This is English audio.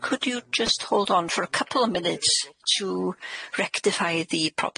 Could you just hold on for a couple of minutes to rectify the problem?